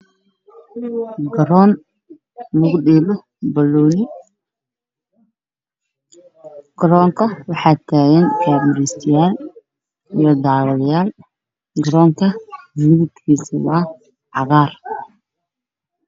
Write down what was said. Waa garoon waxaa jooga gabdho iyo wiilal